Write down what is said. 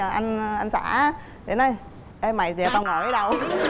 anh xã á thế nói ê mày giờ tao ngồi ở đâu